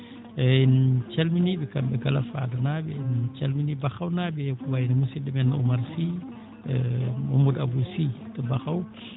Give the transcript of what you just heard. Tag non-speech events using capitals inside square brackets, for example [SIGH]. eyyi en calminii ɓe kamɓe kala Fandonaaɓe en calminii Bahawnaaɓe e ko wayi no musidɗo men Oumar Sy [HESITATION] Mamadou Abou Sy to Bahaw